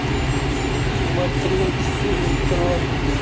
смотреть фильм трон